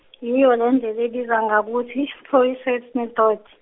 yiyo lendlela ebizwa ngakuthi Proyset method.